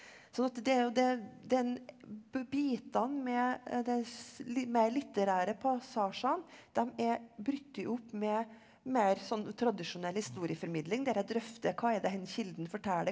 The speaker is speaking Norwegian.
sånn at det er jo det det er en bitene med det litt mer litterære passasjene, dem er brutt opp med mer sånn tradisjonell historieformidling der jeg drøfter hva er det denne kilden forteller?